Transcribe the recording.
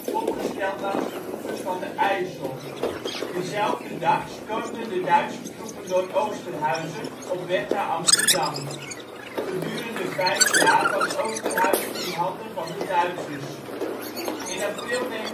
opgesteld langs de oevers van de IJssel. Diezelfde dag stormden de Duitse troepen door Oosterhuizen op weg naar Amsterdam. Gedurende vijf jaar was Oosterhuizen in handen van de Duitsers. In april 1945